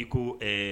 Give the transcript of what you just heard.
I ko